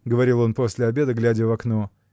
— говорил он после обеда, глядя в окно.